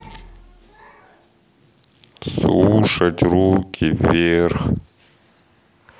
слушать руки вверх